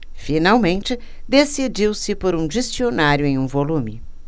finalmente decidiu-se por um dicionário em um volume